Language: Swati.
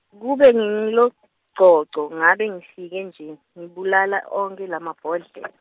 kube nginguLogcogco ngabe ngifike nje ngibulale onkhe lamabhodlel-.